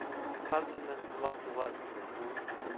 Һәр телнең бар туган иле